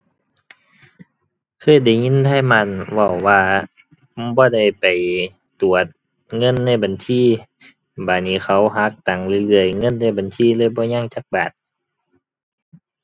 เคยได้ยินไทบ้านเว้าว่าบ่ได้ไปตรวจเงินในบัญชี บัดนี้เขาหักตังเรื่อยเรื่อยเงินในบัญชีเลยบ่ยังจักบาท